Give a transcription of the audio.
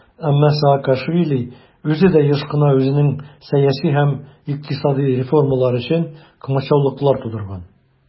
Әмма Саакашвили үзе дә еш кына үзенең сәяси һәм икътисади реформалары өчен комачаулыклар тудырган.